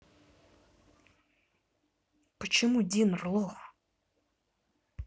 почему dinner лох